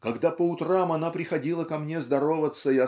когда по утрам она приходила ко мне здороваться